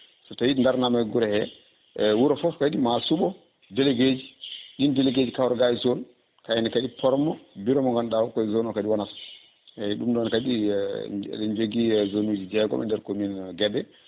so tawi ɗi darnama e guure he e wuuro foof kadi ma suuɓo délégué ji ɗin délégué ji kawra ga e zone kayne kadi forme a bureau mo ganduɗa o koye zone he kadi wonata eyyi ɗum kadi eɗen joogui zone uji jeeom e nder commune Guédé